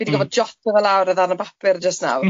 ...fi di gorffod jottio fe lawr ar ddarna bapur jyst nawr.